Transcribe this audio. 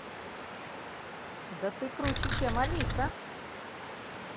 да ты круче чем алиса